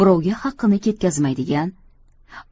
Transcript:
birovga haqini ketkazmaydigan